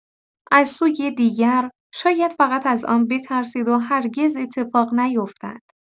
از سوی دیگر، شاید فقط از آن بترسید و هرگز اتفاق نیفتد.